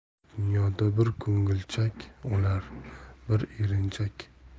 dunyoda bir ko'ngilchak o'lar bir erinchak